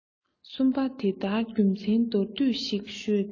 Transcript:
གསུམ པ དེ ལྟར རྒྱུ མཚན མདོར བསྡུས ཤིག ཞུས ན